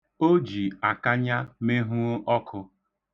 O ji akanya mehuo ọkụ.